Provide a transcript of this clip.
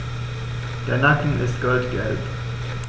Der Nacken ist goldgelb.